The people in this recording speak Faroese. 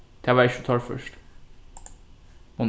tað var ikki so torført